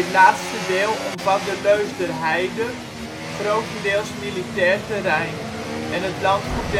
laatste deel omvat de Leusderheide, grotendeels militair terrein, en het landgoed